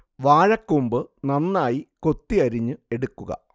വാഴക്കൂമ്പ് നന്നായി കൊത്തി അരിഞ്ഞു എടുക്കുക